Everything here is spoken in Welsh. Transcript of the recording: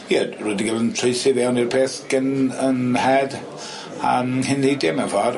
Ie, rwy 'di ga'l 'yn traethu i fewn i'r peth gen 'yn nhed a'n nghyndeidie mewn ffor.